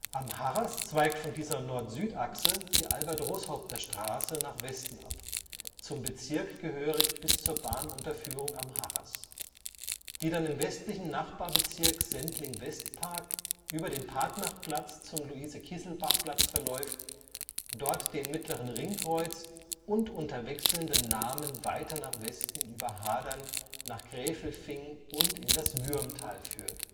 Am Harras zweigt von dieser Nord-Süd-Achse die Albert-Roßhaupter-Straße nach Westen ab (zum Bezirk gehörig bis zur Bahnunterführung am Harras), die dann im westlichen Nachbarbezirk Sendling-Westpark über den Partnachplatz zum Luise-Kiesselbach-Platz verläuft, dort den Mittleren Ring kreuzt und unter wechselnden Namen weiter nach Westen über Hadern nach Gräfelfing und in das Würmtal führt